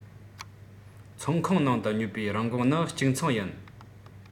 ཚོང ཁང ནང དུ ཉོས པའི རིན གོང ནི གཅིག མཚུངས ཡིན